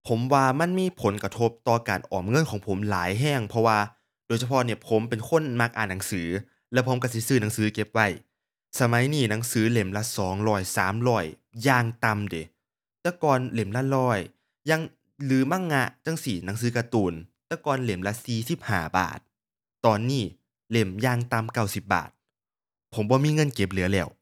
ผมว่ามันมีผลกระทบต่อการออมเงินของผมหลายแรงเพราะว่า โดยเฉพาะเนี่ยผมเป็นคนมักอ่านหนังสือ แล้วผมแรงสิซื้อหนังสือเก็บไว้ สมัยนี้หนังสือเล่มละสองร้อยสามร้อยอย่างต่ำเดะ แต่ก่อนเล่มละร้อย อย่าง หรือมังงะ จั่งซี้หนังสือการ์ตูน แต่ก่อนเล่มละสี่สิบห้าบาท ตอนนี้เล่มอย่างต่ำเก้าสิบบาท ผมบ่มีเงินเก็บเหลือแล้ว